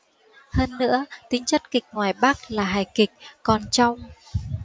hơn nữa tính chất kịch ngoài bắc là hài kịch còn trong